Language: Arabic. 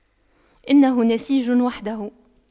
إنه نسيج وحده